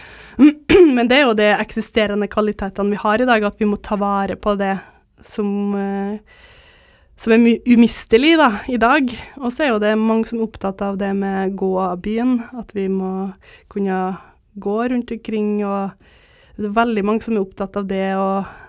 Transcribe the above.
men det er jo det eksisterende kvalitetene vi har i dag at vi må ta vare på det som som er umistelig da i dag og så er jo det mange som er opptatt av det med gåbyen at vi må kunne gå rundt omkring og det er veldig mange som er opptatt av det og,